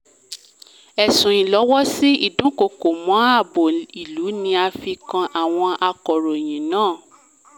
Ẹ̀sùn ìlọ́wọ́sí ìdúkokò mọ́ ààbò ìlú ni a fi kan àwọn akọ̀ròyìn náà